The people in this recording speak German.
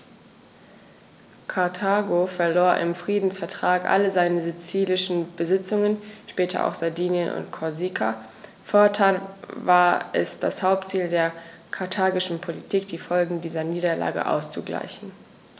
Karthago verlor im Friedensvertrag alle seine sizilischen Besitzungen (später auch Sardinien und Korsika); fortan war es das Hauptziel der karthagischen Politik, die Folgen dieser Niederlage auszugleichen.